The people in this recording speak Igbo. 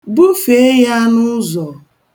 Bufee ya n'ụzọ.